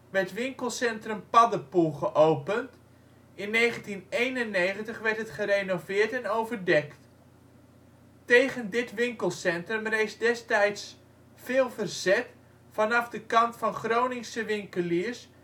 werd Winkelcentrum Paddepoel geopend. In 1991 werd het gerenoveerd en overdekt. Tegen dit winkelcentrum rees destijds veel verzet vanaf de kant van Groningse winkeliers